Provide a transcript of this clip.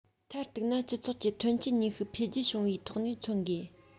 མཐར གཏུགས ན སྤྱི ཚོགས ཀྱི ཐོན སྐྱེད ནུས ཤུགས འཕེལ རྒྱས བྱུང བའི ཐོག ནས མཚོན དགོས